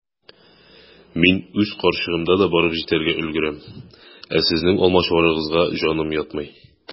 Мин үз карчыгымда да барып җитәргә өлгерәм, ә сезнең алмачуарыгызга җаным ятмый.